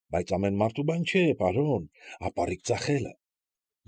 Բայց ամեն մարդու բան չէ, պարոն, ապառիկ ծախելը։